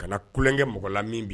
Ka na kolonkɛ mɔgɔ la min bi